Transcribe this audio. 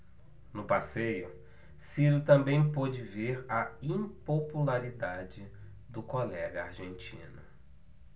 no passeio ciro também pôde ver a impopularidade do colega argentino